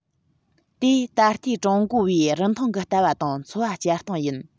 དེས ད ལྟའི ཀྲུང གོ བའི རིན ཐང གི ལྟ བ དང འཚོ བ སྐྱེལ སྟངས ཡིན